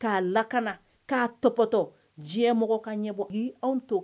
Ka lakana ka tɔpɔtɔ diɲɛ mɔgɔ ka ɲɛ bɔ anw to